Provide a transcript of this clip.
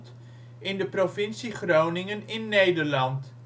in de provincie Groningen in Nederland